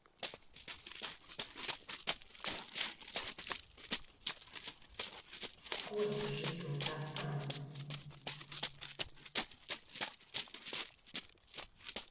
сколько живет асан